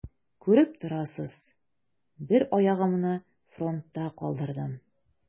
Күреп торасыз: бер аягымны фронтта калдырдым.